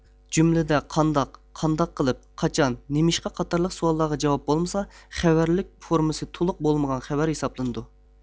جۈملىدە قانداق قانداق قىلىپ قاچان نېمىشقا قاتارلىق سوئاللارغا جاۋاب بولمىسا خەۋەرلىك فورمىسى تولۇق بولمىغان خەۋەر ھېسابلىنىدۇ